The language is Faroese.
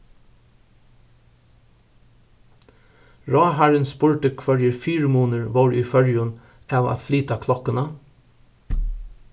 ráðharrin spurdi hvørjir fyrimunir vóru í føroyum av at flyta klokkuna